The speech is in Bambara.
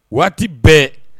Waati bɛɛ.